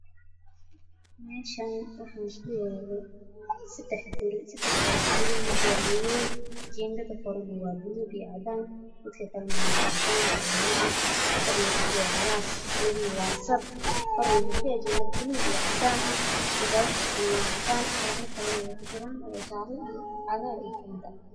Meeshan waxaa kuyaalo saxdex guri sadexdasi guri mid waa madaw iyo cadaan albaabkiisuna waa cadaan